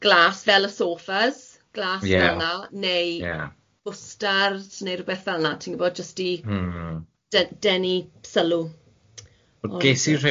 Glas fel y soffys glas fel 'na neu fwstard neu rwbeth fel'na ti'n gwbod jys i de- dennu sylw